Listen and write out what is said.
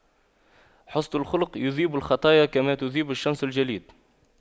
حُسْنُ الخلق يذيب الخطايا كما تذيب الشمس الجليد